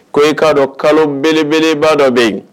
Ko e k'a dɔn kalo belebeleba dɔ bɛ yen